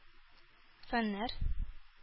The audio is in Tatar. Фәннәр